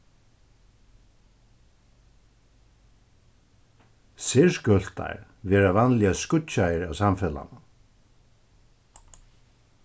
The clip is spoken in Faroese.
serskøltar verða vanliga skýggjaðir av samfelagnum